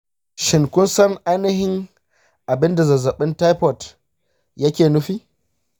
shin kun san ainihin abin da zazzabin taifot yake nufi?